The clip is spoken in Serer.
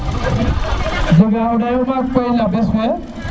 o fogole i mbar lu no bis fee